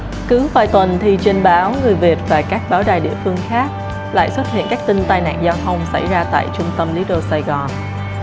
cứ vài tuần thì trên báo người việt và các báo đài địa phương khác lại xuất hiện các tin tai nạn giao thông xảy ra tại trung tâm lít tơ sài gòn